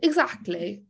Exactly.